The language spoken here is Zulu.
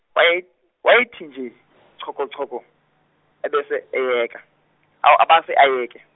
waye- wayethi nje, chokochoko, ebese eyeka, a- abase ayeke.